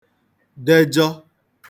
dejọ